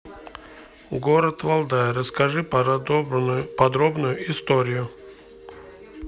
город валдай расскажи подробную историю